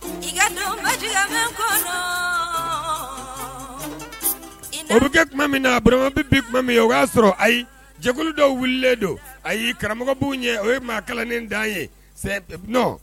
Kɛ tuma min na a bi min o y'a sɔrɔ ayi jɛkulu dɔw wulila don a ye karamɔgɔbu ye o ye maakanen d ye sɛɔ